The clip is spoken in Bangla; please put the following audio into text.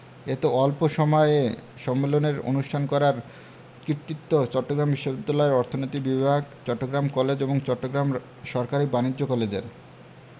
এতে অল্প এ সম্মেলন অনুষ্ঠান করার কৃতিত্ব চট্টগ্রাম বিশ্ববিদ্যালয়ের অর্থনীতি বিভাগ চট্টগ্রাম কলেজ এবং চট্টগ্রাম সরকারি বাণিজ্য কলেজের